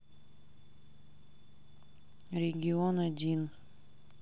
регион один